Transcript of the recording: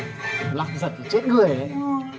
lăng giật chết người đấy